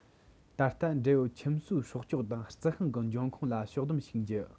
ད ལྟ འབྲེལ ཡོད ཁྱིམ གསོས སྲོག ཆགས དང རྩི ཤིང གི འབྱུང ཁུངས ལ ཕྱོགས བསྡོམས ཤིག བགྱི